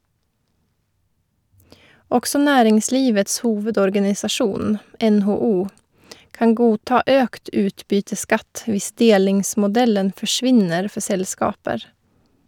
Også Næringslivets Hovedorganisasjon (NHO) kan godta økt utbytteskatt hvis delingsmodellen forsvinner for selskaper.